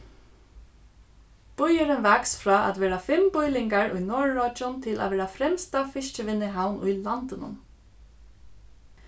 býurin vaks frá at vera fimm býlingar í norðuroyggjum til at vera fremsta fiskivinnuhavn í landinum